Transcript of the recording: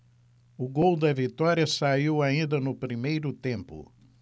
o gol da vitória saiu ainda no primeiro tempo